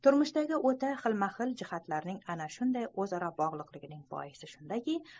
hayotdagi o'ta xilma xil jihatlarning ana shunday o'zaro bog'liqligining boisi shundaki